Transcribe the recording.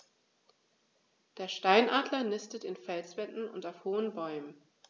Der Steinadler nistet in Felswänden und auf hohen Bäumen.